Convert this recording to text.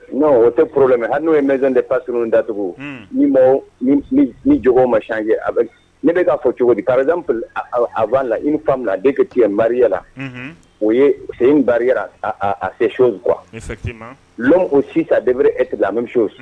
N o tɛ poro la mɛ hali n'o ye mɛn de pas dat ni ni jw ma a ne bɛ k'a fɔ cogodi a'a la i fa min a de ka ci mariaya la o ye se mariaya a se so dɔn o sisan deb eti an bɛ